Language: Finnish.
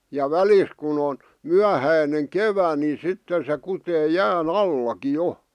ja välistä kun on myöhäinen kevät niin sitten se kutee jään allakin jo